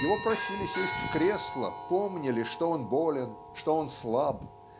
Его просили сесть в кресло помнили что он болен что он слаб